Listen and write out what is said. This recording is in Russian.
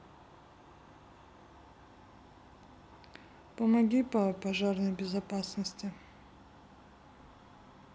помоги по пожарной безопасности